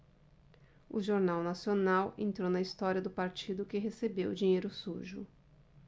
o jornal nacional entrou na história do partido que recebeu dinheiro sujo